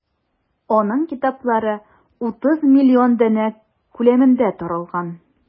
Аның китаплары 30 миллион данә күләмендә таралган.